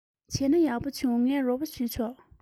བྱས ན ཡག པོ བྱུང ངས རོགས པ བྱས ཆོག